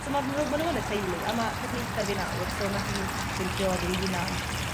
so ma' my' n'w my' n'w yn y teulu a ma' cefnither fi nawr so ma' hi'n actually'n priodi ei hunan.